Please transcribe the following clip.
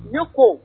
Ɲɔ ko